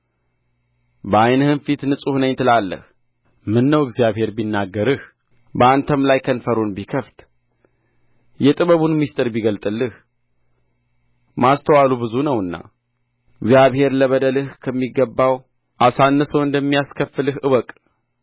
በዓይንህም ፊት ንጹሕ ነኝ ትላለህ ምነው እግዚአብሔር ቢናገርህ በአንተም ላይ ከንፈሩን ቢከፍት የጥበቡን ምሥጢር ቢገልጥልህ ማስተዋሉ ብዙ ነውና እግዚአብሔር ለበደልህ ከሚገባው አሳንሶ እንደሚያስከፍልህ እወቅ